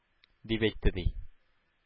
— дип әйтте, ди.